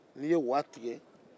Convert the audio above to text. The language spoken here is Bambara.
n'u ye waga tigɛ